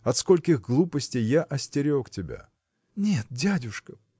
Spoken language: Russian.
От скольких глупостей я остерег тебя!. – Нет дядюшка